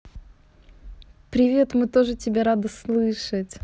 привет мы тоже тебя рада слышать